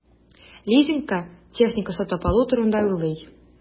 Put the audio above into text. Лизингка техника сатып алу турында уйлый.